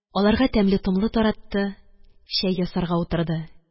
Аларга тәмле-томлы таратты. Чәй ясарга утырды.